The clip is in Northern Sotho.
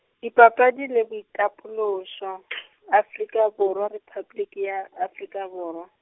Dipapadi le Boitapološo , Afrika Borwa Repabliki ya Afrika Borwa.